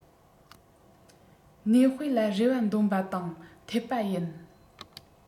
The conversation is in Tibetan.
གནས སྤོས ལ རེ བ འདོན པ དང འཐད པ ཡིན